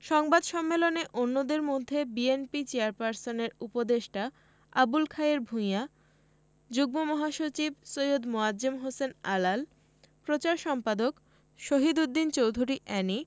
সংবাদ সম্মেলনে অন্যদের মধ্যে বিএনপি চেয়ারপারসনের উপদেষ্টা আবুল খায়ের ভূইয়া যুগ্ম মহাসচিব সৈয়দ মোয়াজ্জেম হোসেন আলাল প্রচার সম্পাদক শহীদ উদ্দিন চৌধুরী এ্যানি